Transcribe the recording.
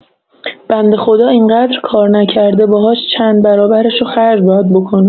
بنده خدا اینقدر کار نکرده باهاش چند برابرشو خرج باید بکنه